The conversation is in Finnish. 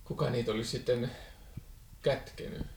kuka niitä olisi sitten kätkenyt